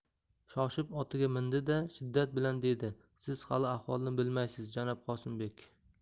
shoshib otiga mindi da shiddat bilan dedi siz hali ahvolni bilmaysiz janob qosimbek